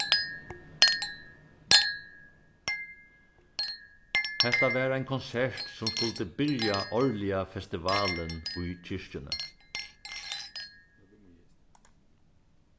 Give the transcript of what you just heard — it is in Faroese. hetta var ein konsert sum skuldi byrja árliga festivalin í kirkjuni